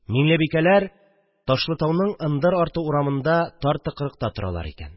Миңлебикәләр Ташлытауның ындыр арты урамында, тар тыкрыкта торалар икән